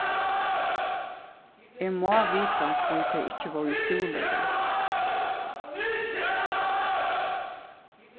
eg má vita hví tey ikki vóru í skúla í dag